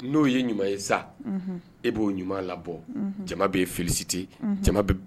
No ye ɲuman ye sa et bo ɲuman labɔ . Jama be félicité jama bi